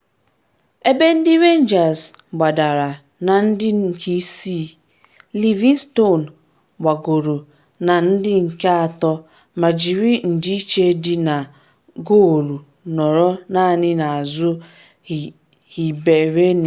Ebe ndị Rangers gbadara na ndị nke isii, Linvingston gbagoro na ndị nke atọ ma jiri ndịiche dị na goolu nọrọ naanị n’azụ Hibernian.